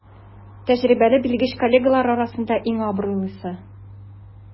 Тәҗрибәле белгеч коллегалары арасында иң абруйлысы.